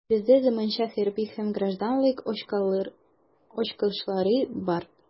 Бездә заманча хәрби һәм гражданлык очкычлары бар.